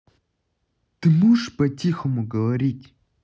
ты можешь по тихому говорить